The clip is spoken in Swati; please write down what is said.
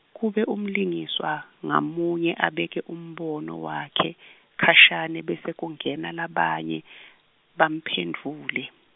kube umlingiswa, ngamunye abeke umbono wakhe, khashane bese kungena labanye, bamphendvule.